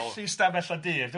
'Gwell yw ystafell a dyf,'